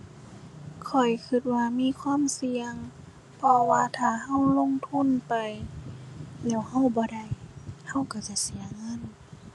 ข้อยคิดว่ามีความเสี่ยง เพราะว่าถ้าคิดลงทุนไปแล้วคิดบ่ได้ คิดคิดจะเสียเงิน